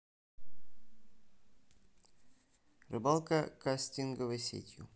рыбалка кастинговой сетью